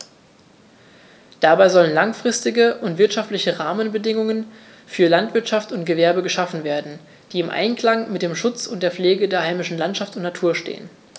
Dabei sollen langfristige und wirtschaftliche Rahmenbedingungen für Landwirtschaft und Gewerbe geschaffen werden, die im Einklang mit dem Schutz und der Pflege der heimischen Landschaft und Natur stehen.